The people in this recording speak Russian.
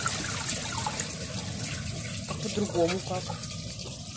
а по другому как